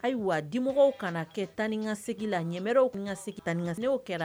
Ayiwa di mɔgɔw kana kɛ tan ni kasigi la ɲɛɛrɛw tun ka seg tananio kɛra